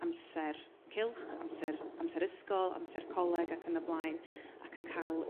amser cylch amser amser ysgol amser coleg ac yn y blaen ac yn ca'l